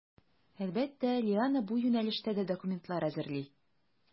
Әлбәттә, Лиана бу юнәлештә дә документлар әзерли.